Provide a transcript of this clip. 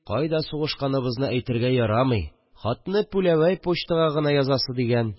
Кайда сугышканыбызны әйтергә ярамый, хатны пүләвәй почтага гына язасы, дигән